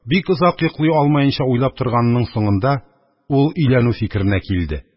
Бик озак йоклый алмаенча уйлап торганның соңында, ул өйләнү фикеренә килде.